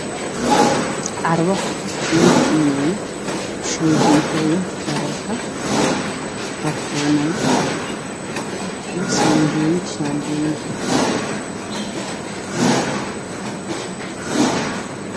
Halkaan waxaa ka muuqdo tukaan lagu gado albaata sida cream ka catarka shaambada, miiskana waxaa saaran bac buluug ah